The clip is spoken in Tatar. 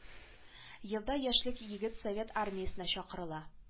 Елда яшьлек егет совет армиясенә чакырыла